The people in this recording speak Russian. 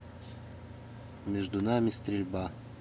между нами стрельба